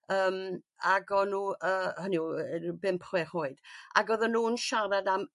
yym ag o'n nhw yy hynny yw yy ryw bump chwech oed ag oddan nhw'n siarad am